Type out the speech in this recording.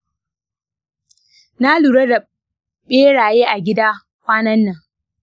na lura da beraye a gida kwanan nan.